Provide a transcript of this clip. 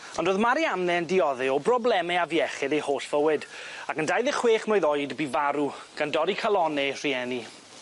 Ond o'dd Marianne'n diodde o brobleme afiechyd ei holl fywyd ac yn dau ddeg chwech mlwydd oed bu farw, gan dorri calonne ei rhieni.